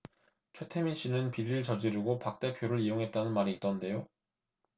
최태민씨는 비리를 저지르고 박 대표를 이용했다는 말이 있던데요